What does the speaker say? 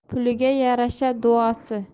puliga yarasha duosi